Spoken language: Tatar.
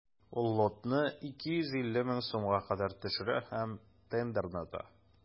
Ул лотны 250 мең сумга кадәр төшерә һәм тендерны ота.